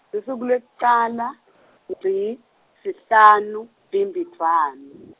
lusuku lwekucala, ngci, sihlanu, Bhimbidvwane.